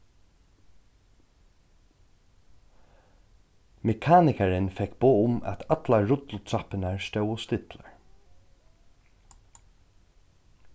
mekanikarin fekk boð um at allar rullitrappurnar stóðu stillar